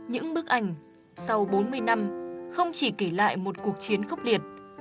những bức ảnh sau bốn mươi năm không chỉ kể lại một cuộc chiến khốc liệt